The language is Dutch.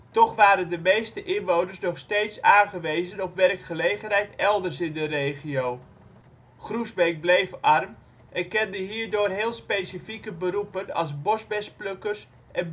Toch waren de meeste inwoners nog steeds aangewezen op werkgelegenheid elders in de regio. Groesbeek bleef arm en kende hierdoor heel specifieke beroepen als bosbesplukkers en